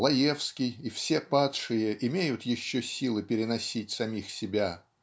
Лаевский и все падшие имеют еще силы переносить самих себя.